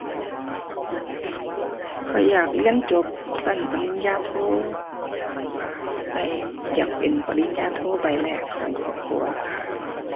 ข้อยอยากเรียนจบชั้นปริญญาโท อ่า อยากได้อยากเป็นปริญญาโทใบแรกของครอบครัวค่ะ